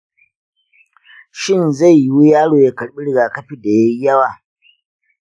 shin zai yiwu yaro ya karɓi rigakafi da ya yi yawa?